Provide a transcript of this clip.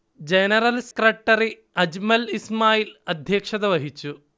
general secretary Ajmal Ismail അധ്യക്ഷത വഹിച്ചു